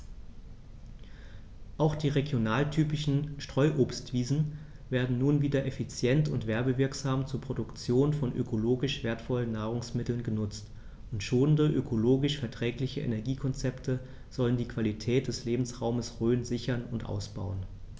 Auch die regionaltypischen Streuobstwiesen werden nun wieder effizient und werbewirksam zur Produktion von ökologisch wertvollen Nahrungsmitteln genutzt, und schonende, ökologisch verträgliche Energiekonzepte sollen die Qualität des Lebensraumes Rhön sichern und ausbauen.